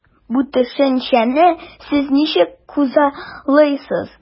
Бу төшенчәне сез ничек күзаллыйсыз?